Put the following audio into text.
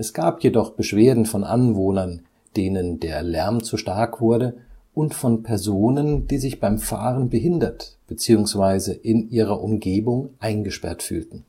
gab jedoch Beschwerden von Anwohnern, denen der Lärm zu stark wurde, und von Personen, die sich beim Fahren behindert beziehungsweise in ihrer Umgebung eingesperrt fühlten